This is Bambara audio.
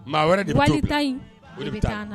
Maa wɛrɛ de .